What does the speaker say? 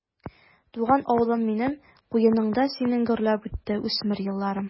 Туган авылым минем, куеныңда синең гөрләп үтте үсмер елларым.